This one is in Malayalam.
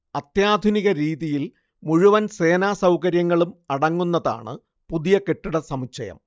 അത്യാധുനിക രീതിയിൽ മുഴുവൻ സേവന സൗകര്യങ്ങളും അടങ്ങുന്നതാണ് പുതിയ കെട്ടിടസമുച്ചയം